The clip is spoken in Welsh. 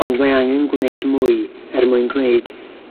Ond mae angen gwneud mwy er mwyn gwneud